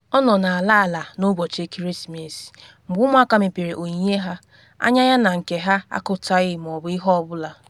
Ọ nọ n’ala ala na Ubọchi Ekeresimesi - mgbe ụmụaka mepere onyinye ha anya ya na nke ha akụtaghị ma ọ bụ ihe ọ bụla.”